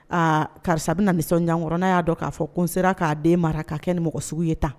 Aa karisa bɛ na nisɔn ɲakɔrɔɔrɔn n' y'a dɔn k'a fɔ ko sera k'a den mara k' kɛ ni mɔgɔ sugu ye tan